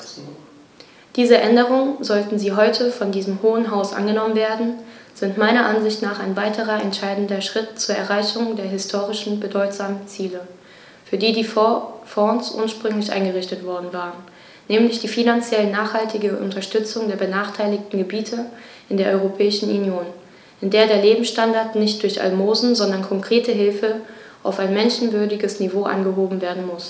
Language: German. Diese Änderungen, sollten sie heute von diesem Hohen Haus angenommen werden, sind meiner Ansicht nach ein weiterer entscheidender Schritt zur Erreichung der historisch bedeutsamen Ziele, für die die Fonds ursprünglich eingerichtet worden waren, nämlich die finanziell nachhaltige Unterstützung der benachteiligten Gebiete in der Europäischen Union, in der der Lebensstandard nicht durch Almosen, sondern konkrete Hilfe auf ein menschenwürdiges Niveau angehoben werden muss.